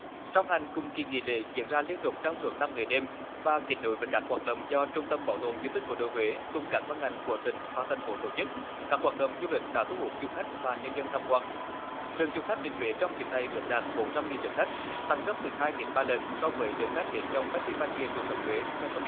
song hành cùng kỳ nghỉ lễ diễn ra liên tục trong suốt năm ngày đêm và kết nối với các hoạt động do trung tâm bảo tồn di tích cố đô huế cùng các ban ngành của tỉnh và thành phố tổ chức các hoạt động du lịch đã thu hút du khách và nhân dân tham quan lượng du khách đến huế trong dịp này ước đạt bốn trăm nghìn lượt khách tăng gấp từ hai đến ba lần so với lượng khách đến trong phét ti van nghề truyền thống huế năm hai không